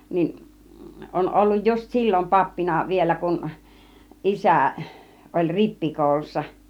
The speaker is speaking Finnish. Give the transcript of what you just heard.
niin on ollut just silloin pappina vielä kun isä oli rippikoulussa